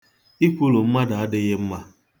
Ikwulu mmadụ adịghị mma.